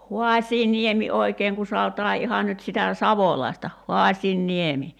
Hoasianniemi oikein kun sanotaan ihan nyt sitä savolaista Haasianniemi